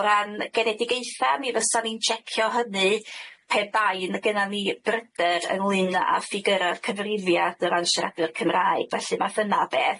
o ran genedigaetha ni fysan ni'n checio hynny pe bain gynna ni bryder ynglŷn â ffigyra'r cyfrifiad o ran siaradwyr Cymraeg felly math yna o beth.